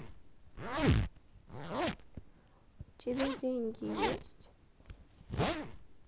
у тебя деньги есть